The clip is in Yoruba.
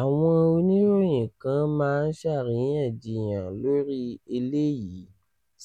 Àwọn oníròyìn kan máa ṣàríyàjiyàn lórí èléyìí: